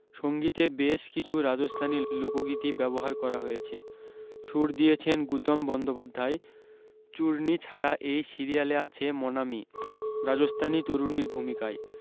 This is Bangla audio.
সংগীতে বেশ কিছু রাজস্থানি লোকগীতি ব্যবহার করা হয়েছে সুর দিয়েছেন গুতম বন্দ্যোপাধ্যায় চূরণী ছাড়া এই সিরিয়ালে আছেন মনামি রাজস্থানি তরুণীর ভূমিকায়